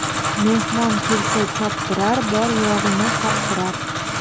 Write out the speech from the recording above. mehmon kelsa choptirar bor yo'g'ingni toptirar